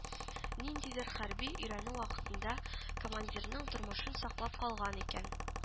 Ниндидер хәрби өйрәнү вакытында командирының тормышын саклап калган икән